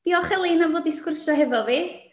Diolch Elin am ddod i sgwrsio hefo fi.